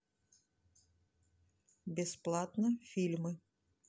бесплатно фильмы